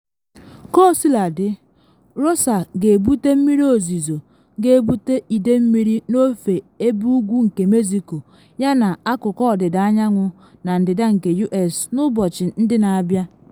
Kaosiladị, Rosa ga-ebute mmiri ozizo ga-ebute ide mmiri n’ofe ebe ugwu nke Mexico yana akụkụ ọdịda anyanwụ na ndịda nke U.S. n’ụbọchị ndị na abia.